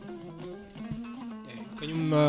eyyi kañum